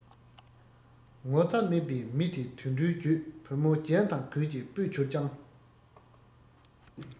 ངོ ཚ མེད པའི མི དེ དུད འགྲོའི རྒྱུད བུ མོ རྒྱན དང གོས ཀྱིས སྤུད གྱུར ཀྱང